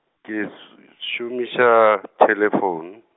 ke su-, šomiša, thelefoune.